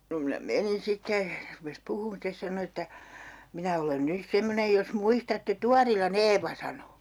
no minä menin sitten se rupesi puhumaan sitten sanoi että minä olen nyt semmoinen jos muistatte Tuorilan Eevan sanoi